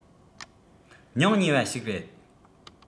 སྙིང ཉེ བ ཞིག རེད